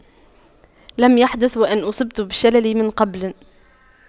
لم يحدث وأن اصبت بشلل من قبل